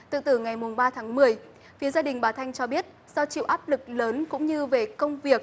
tự tử ngày mùng ba tháng mười phía gia đình bà thanh cho biết do chịu áp lực lớn cũng như về công việc